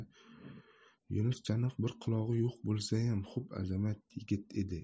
yunus chinoq bir qulog'i yo'q bo'lsayam xo'p azamat yigit edi